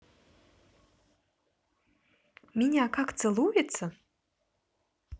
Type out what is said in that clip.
меня как целуется